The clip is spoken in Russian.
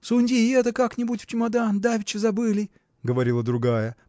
– Суньте и это как-нибудь в чемодан давеча забыли – говорила другая